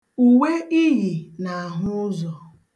Uwe i yi na-ahụ ụzọ.